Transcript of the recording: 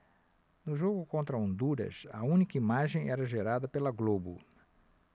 no jogo contra honduras a única imagem era gerada pela globo